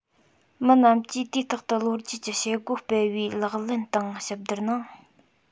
མི དམངས ཀྱིས དུས རྟག ཏུ ལོ རྒྱུས ཀྱི བྱེད སྒོ སྤེལ བའི ལག ལེན དང ཞིབ བསྡུར ནང